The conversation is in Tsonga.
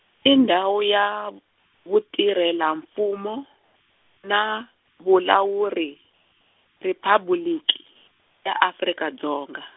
i Ndhawu ya v-, Vutirhela-Mfumo, na Vulawuri, Riphabuliki, ya Afrika Dzonga.